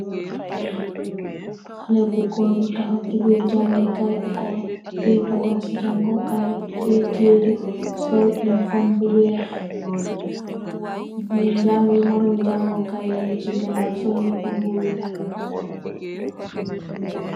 Kalle bou gorr bou tahaw ci palasci jange kaye bi mougui tahaw yourreh aye bagasci jange kaye